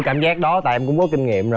cảm giác đó tại em cũng có kinh nghiệm